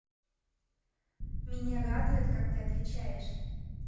меня радует как ты отвечаешь